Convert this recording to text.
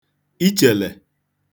ichèlè